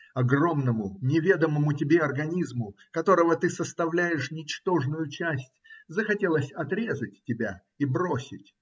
Огромному неведомому тебе организму, которого ты составляешь ничтожную часть, захотелось отрезать тебя и бросить.